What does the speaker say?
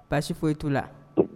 Baasi foyi i t'u la